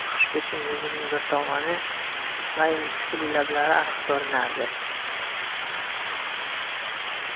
xushbichim yuzining bir tomoni mayin tukli lablari aniq ko'rinardi